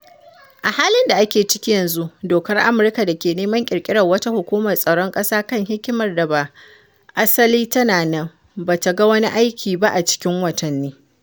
A halin da ake ciki yanzu, dokar Amurka da ke neman ƙirƙirar wata Hukumar Tsaron Ƙasa kan Hikimar Da Ba Asali tana nan ba ta ga wani aiki ba a cikin watanni.